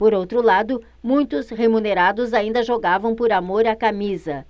por outro lado muitos remunerados ainda jogavam por amor à camisa